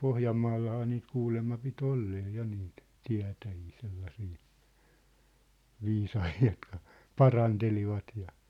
Pohjanmaallahan niitä kuulemma piti olla ja niitä tietäjiä sellaisia viisaita jotka parantelivat ja